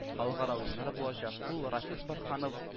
Халыкара уеннар булачак – ул рафис борһанов